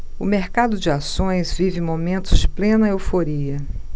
o mercado de ações vive momentos de plena euforia